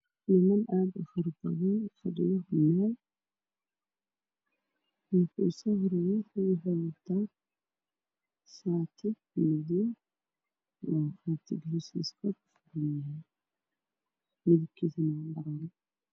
Waa hool waxaa jooga niman fara badan waxay ku jiraan xaflad waxay ku fadhiyaan kuraas midabkoodu yahay guduud waxay qabaan midooday iyo caddaan